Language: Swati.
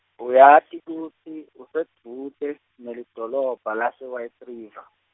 uyati kutsi, usedvute, nelidolobha lase- White River?